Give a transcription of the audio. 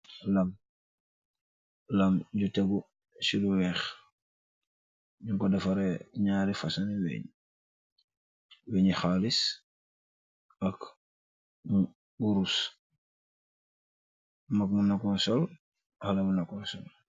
Laam ju tehguu celu weex, nyeu ko dehfarreh nyarri fasonni wehnch, wehchee xalis ak wurus, mak mun nako sol xaleh mun nako sol.